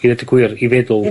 I ddweud y gwir i feddwl...